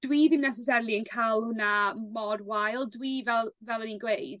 Dwi ddim necessarily yn ca'l wnna mor wael dwi fel fel o'n i'n gweud